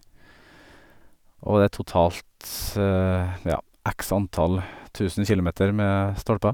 Og det er totalt, ja, x antall tusen kilometer med stolper.